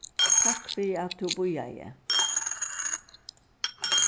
takk fyri at tú bíðaði